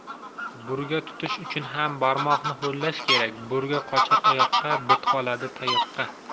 burga tutish uchun ham barmoqni ho'llash kerak burga qochar oyoqqa bit qoladi tayoqqa